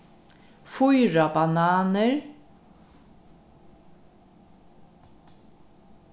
fýra bananir